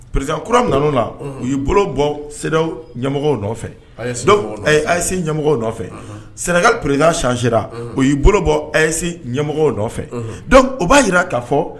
Pere kura nana na u y'i bolo bɔ sɛ ɲɛmɔgɔ nɔfɛ ayise ɲɛmɔgɔ nɔfɛ sɛnɛka pere sanse u y'i bolo bɔ ayise ɲɛmɔgɔ nɔfɛc o b'a jira ka fɔ